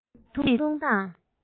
རྩོམ རིག ཐུང ཐུང དང